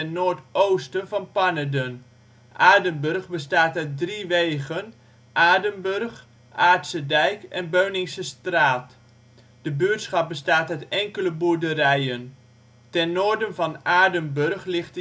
noordoosten van Pannerden. Aerdenburg bestaat uit drie wegen: Aerdenburg, Aerdsedijk en Beuningsetraat. De buurtschap bestaat uit enkele boerderijen. Ten noorden van Aerdenburg ligt